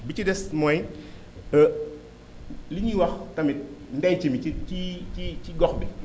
bi ci des mooy li ñuy wax tamit ndenc mi ci ci ci ci gox bi